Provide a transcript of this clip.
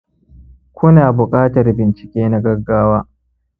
ku na buƙatar bincike na gaggawa